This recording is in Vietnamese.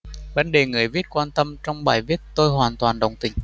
vấn đề người viết quan tâm trong bài viết tôi hoàn toàn đồng tình